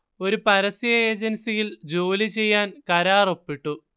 ഒരു പരസ്യ ഏജൻസിയിൽ ജോലി ചെയ്യാൻ കരാർ ഒപ്പിട്ടു